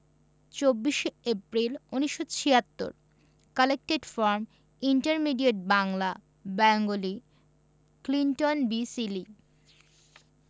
২৪শে April ১৯৭৬ collected from intermediate Bangla Bengali Clinton B Seely